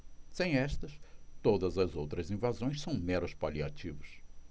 sem estas todas as outras invasões são meros paliativos